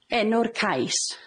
Enw'r cais.